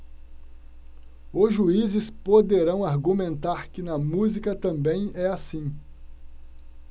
os juízes poderão argumentar que na música também é assim